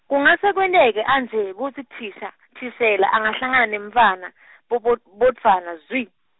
kungase kwenteke anje kutsi thisha- thishela angahlangana nebantfwana , bobod- bodvwana zwi.